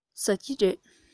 ཟ ཀི རེད